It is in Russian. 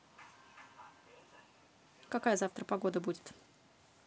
какая завтра погода будет